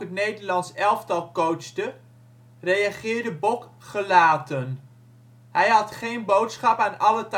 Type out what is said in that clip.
Nederlands elftal coachte), reageerde Bok gelaten - hij had geen boodschap aan alle tactiekbesprekingen